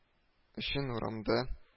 Өчен урамда